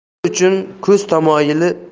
ko'z uchun ko'z tamoyili